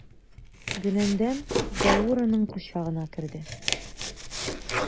Гөләндәм Дәүранның кочагына керде.